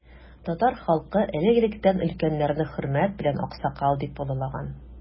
Татар халкы элек-электән өлкәннәрне хөрмәт белән аксакал дип олылаган.